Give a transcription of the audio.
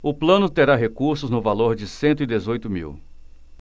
o plano terá recursos no valor de cento e dezoito mil